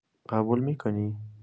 قبول می‌کنی؟